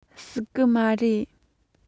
སྲིད གི མ རེད